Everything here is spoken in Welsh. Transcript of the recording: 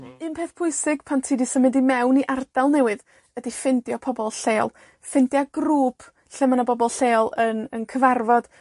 Un peth pwysig pan ti 'di symud i mewn i ardal newydd ydi ffindio pobol lleol. Ffindia grŵp lle ma' 'na bobol lleol yn, yn cyfarfod.